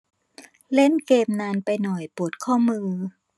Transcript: เล่นเกมส์นานไปหน่อยปวดข้อมือ